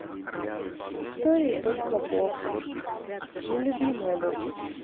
история только бок нелюбимая дочь